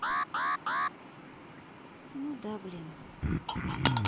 ну да блин